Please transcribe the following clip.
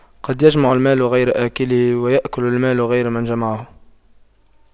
قد يجمع المال غير آكله ويأكل المال غير من جمعه